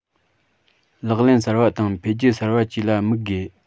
ལག ལེན གསར པ དང འཕེལ རྒྱས གསར པ བཅས ལ དམིགས དགོས